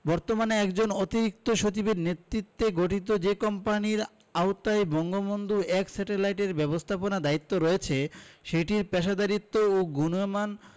বর্তমানে একজন অতিরিক্ত সচিবের নেতৃত্বে গঠিত যে কোম্পানির আওতায় বঙ্গবন্ধু ১ স্যাটেলাইট এর ব্যবস্থাপনার দায়িত্ব রয়েছে সেটির পেশাদারিত্ব ও গুণমান